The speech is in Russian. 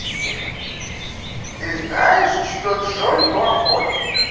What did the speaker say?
ты знаешь что джой плохой